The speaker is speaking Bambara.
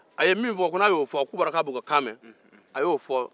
a ye min fɔ ko n'a y'o fɔ k'u b'a dɔn k'a b'u ka kan mɛn a y'o fɔ